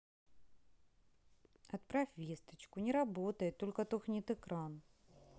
отправь весточку не работает только тухнет экран